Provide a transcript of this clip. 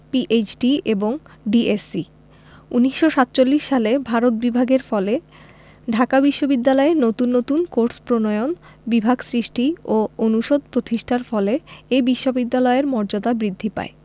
PhD এবং DSc ১৯৪৭ সালে ভারত বিভাগের ফলে ঢাকা বিশ্ববিদ্যালয়ে নতুন নতুন কোর্স প্রণয়ন বিভাগ সৃষ্টি ও অনুষদ প্রতিষ্ঠার ফলে এ বিশ্ববিদ্যালয়ের মর্যাদা বৃদ্ধি পায়